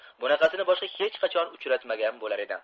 bunaqasini boshqa hech qachon uchratmagan bo'lar edi